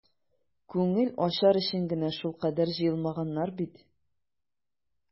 Күңел ачар өчен генә шулкадәр җыелмаганнар бит.